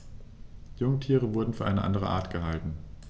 Jungtiere wurden für eine andere Art gehalten.